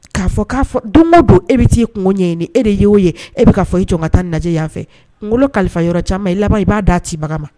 K'a fɔ k'a fɔ dunbe b' e bɛ taa e kun ɲɛɲini nin e de y'o ye e bɛ' fɔ i jɔ ka taa lajɛ yan fɛ kunkolo kalifa yɔrɔ caman i laban i b'a'a cibaga ma